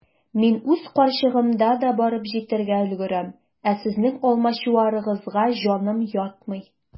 Мин үз карчыгымда да барып җитәргә өлгерәм, ә сезнең алмачуарыгызга җаным ятмый.